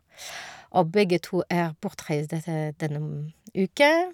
Og begge to er bortreiste te denne uke.